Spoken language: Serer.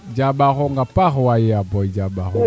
jaaɓaxong a paax waay yaa booy